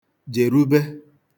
jèrube